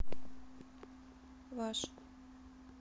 ваш